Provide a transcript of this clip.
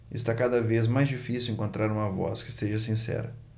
está cada vez mais difícil encontrar uma voz que seja sincera